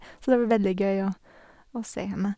Så det var veldig gøy å å se henne.